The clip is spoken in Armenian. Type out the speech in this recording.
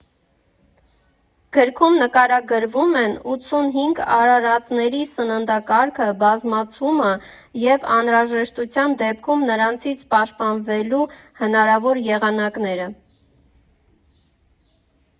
Գրքում նկարագրվում են ութսունհինգ արարածների սննդակարգը, բազմացումը և անհրաժեշտության դեպքում նրանցից պաշտպանվելու հնարավոր եղանակները։